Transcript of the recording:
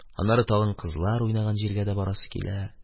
Аннары тагын кызлар уйнаган җиргә дә барасы килә.